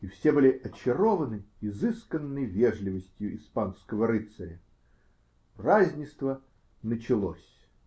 И все были очарованы изысканной вежливостью испанского рыцаря. Празднество началось.